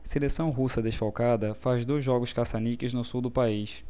seleção russa desfalcada faz dois jogos caça-níqueis no sul do país